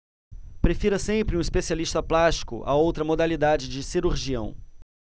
prefira sempre um especialista plástico a outra modalidade de cirurgião